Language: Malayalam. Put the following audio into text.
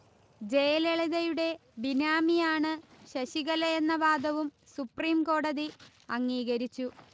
ജയലളിതയുടെ ബിനാമിയാണ് ശശികലയെന്ന വാദവും സുപ്രീംകോടതി അംഗീകരിച്ചു